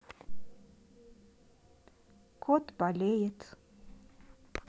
кот болеет